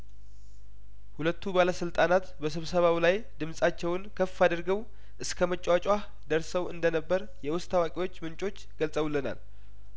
ሁለቱ ባለስልጣናት በስብሰባው ላይ ድምጻቸውን ከፍ አድርገው እስከ መጯጯህ ደርሰው እንደነበር የውስጥ አዋቂዎች ምንጮች ገልጸውለናል